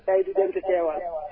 Seydou Deme Tiewal